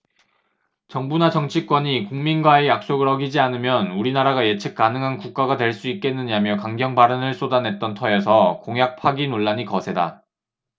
정부나 정치권이 국민과의 약속을 어기지 않으면 우리나라가 예측 가능한 국가가 될 수 있겠느냐며 강경 발언을 쏟아냈던 터여서 공약 파기 논란이 거세다